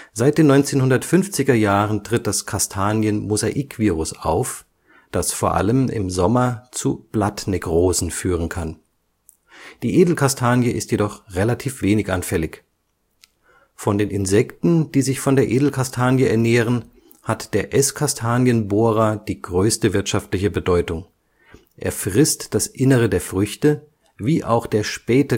Seit den 1950er Jahren tritt das Kastanienmosaikvirus (ChMV) auf, das vor allem im Sommer zu Blattnekrosen führen kann. Die Edelkastanie ist jedoch relativ wenig anfällig. Von den Insekten, die sich von der Edelkastanie ernähren, hat der Esskastanienbohrer (Curculio elephas) die größte wirtschaftliche Bedeutung. Er frisst das Innere der Früchte, wie auch der Späte